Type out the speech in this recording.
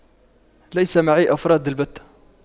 ليس معي أفراد البتة